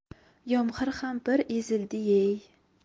yomg'ir ham bir ezildi yey